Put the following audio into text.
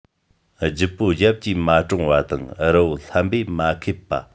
ལྗིད པོ རྒྱབ ཀྱིས མ འདྲོང བ དང རལ པོ ལྷན པས མ ཁེབས པ